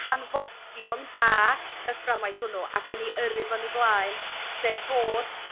hanfodion da y fframwaith hwnnw ac yn 'i yrru fo yn 'i blaen sef bod